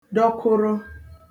dọkworo